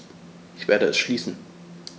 Ich werde es schließen.